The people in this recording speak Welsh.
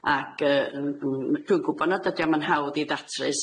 Ac yy n- n- dwi'n gwbod nad ydi o'm yn hawdd i ddatrys,